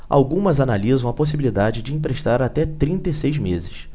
algumas analisam a possibilidade de emprestar até trinta e seis meses